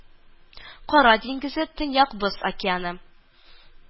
Кара диңгезе, Төньяк Боз океаны